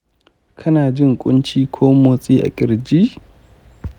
kana jin ƙunci ko matsi a kirji?